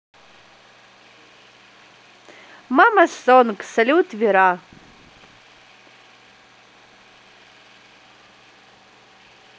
mona songz салют вера